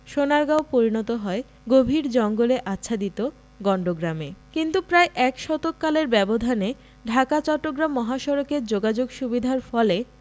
সোনারগাঁও পরিণত হয় গভীর জঙ্গলে আচ্ছাদিত গন্ড গ্রামে কিন্তু প্রায় এক শতক কালের ব্যবধানে ঢাকা চট্টগ্রাম মহাসড়কে যোগাযোগ সুবিধার ফলে